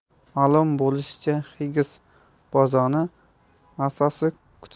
ma'lum bo'lishicha xiggs bozoni massasi kutilganidan